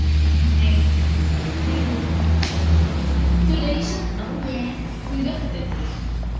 hôm nay tôi đi làm chuyện rất là tốt tôi lấy sách đấu giá quyên góp cho từ thiện